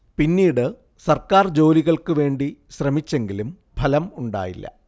പിന്നീട് സർക്കാർ ജോലികൾക്ക് വേണ്ടി ശ്രമിച്ചെങ്കിലും ഫലം ഉണ്ടായില്ല